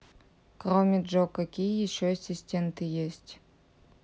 кроме джо какие еще ассистенты есть